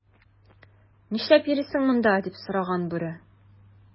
"нишләп йөрисең монда,” - дип сораган бүре.